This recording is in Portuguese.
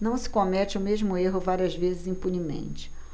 não se comete o mesmo erro várias vezes impunemente